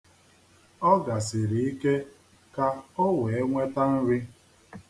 Ọ gasiri ike ka o wee nweta nri.